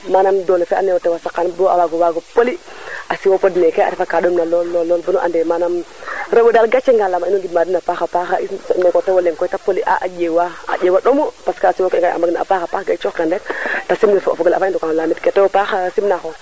manam doole fe an do naye o tewa saqan bo a waga waago poli a siwo pod neeke a refa ka ɗom na lool lool bonu ande manam rewe daal gace ngalama in way ngid ma den a paxa paax i soɓ meke o tewo leŋ koy te poli a a ƴewa a ƴewa ɗomu parce que a siwo ke kay a mag na a paxa paax ga i coox kan rek te simnir fo o fogole avant :gfra i ndoka no lamit ke tewo paax simna xong